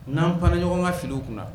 N'an taara ɲɔgɔn ka filiw kunna